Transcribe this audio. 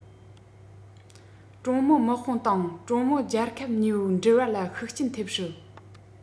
ཀྲུང མི དམག དཔུང དང ཀྲུང མི རྒྱལ ཁབ གཉིས པོའི འབྲེལ བ ལ ཤུགས རྐྱེན ཐེབས སྲིད